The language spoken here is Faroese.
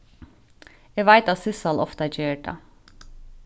eg veit at sissal ofta ger tað